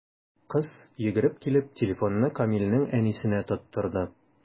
Кыз, йөгереп килеп, телефонны Камилнең әнисенә тоттырды.